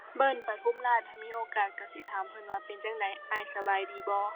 เบิล ปทุมราช ถ้ามีโอกาสก็สิถามเพิ่นว่า เป็นจั่งใดอ้ายสบายดีบ่